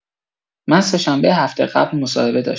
من سه‌شنبه هفته قبل مصاحبه داشتم.